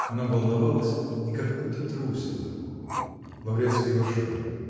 Она волновалась и как будто трусила. Лаврецкий вошел.